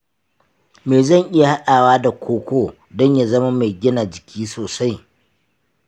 me zan iya haɗawa da koko don ya zama mai gina jiki sosai?